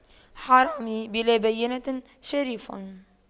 حرامي بلا بَيِّنةٍ شريف